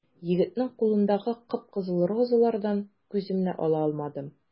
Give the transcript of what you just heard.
Егетнең кулындагы кып-кызыл розалардан күземне ала алмадым.